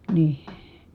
niin